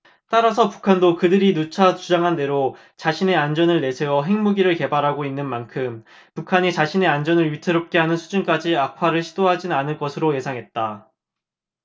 따라서 북한도 그들이 누차 주장한대로 자신의 안전을 내세워 핵무기를 개발하고 있는 만큼 북한이 자신의 안전을 위태롭게 하는 수준으로까지 악화를 시도하지는 않을 것으로 예상했다